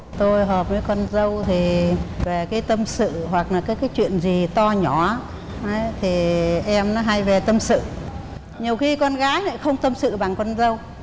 tôi hợp với con dâu thì về cái tâm sự hoặc là có chuyện gì to nhỏ thì nó hay về tâm sự nhiều khi con gái lại không tâm sự bằng con dâu